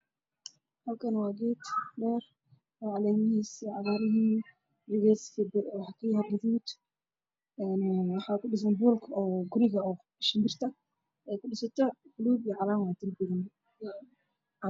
Waxaa ii muuqda mid geed caleemo cagaaran iyo berjaalo leh oo baxaayo